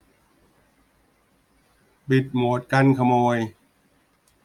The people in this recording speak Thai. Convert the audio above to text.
ปิดโหมดกันขโมย